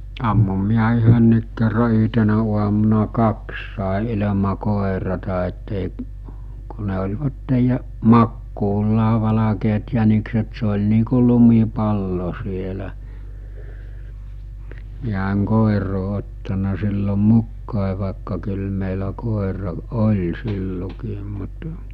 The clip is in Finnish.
ammuin minä yhdenkin kerran yhtenä aamuna kaksi sain ilman koiratta että ei kun ne olivat - makuullaan valkeat jänikset se oli niin kuin lumipallo siellä minä en koiraa ottanut silloin mukaan vaikka kyllä meillä koira oli silloinkin mutta